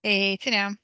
Hei, ti'n iawn?